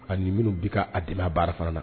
A ni minnu bi ka a dɛmɛ baara fana na